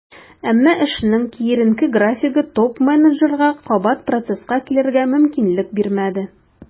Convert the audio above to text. Әмма эшенең киеренке графигы топ-менеджерга кабат процесска килергә мөмкинлек бирмәде.